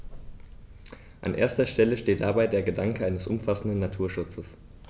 An erster Stelle steht dabei der Gedanke eines umfassenden Naturschutzes.